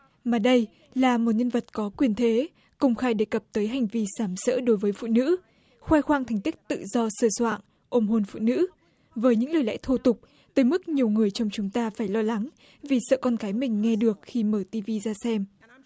mà đây là một nhân vật có quyền thế công khai đề cập tới hành vi sàm sỡ đối với phụ nữ khoe khoang thành tích tự do sờ soạng ôm hôn phụ nữ với những lời lẽ thô tục tới mức nhiều người trong chúng ta phải lo lắng vì sợ con cái mình nghe được khi mở ti vi ra xem